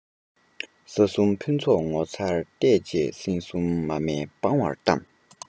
གཟའ སྐར ཕུན ཚོགས ངོ མཚར ལྟས བཅས སྲིང ཆུང མ མའི སྤ བར བལྟམས